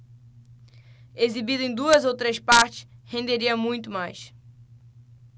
exibida em duas ou três partes renderia muito mais